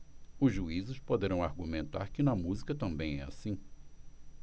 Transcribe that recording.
os juízes poderão argumentar que na música também é assim